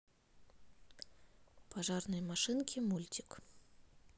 пожарные машинки мультик